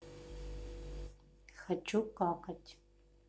хочу какать